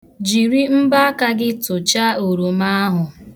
Jiri mbọaka gị tụchaa oroma ahụ.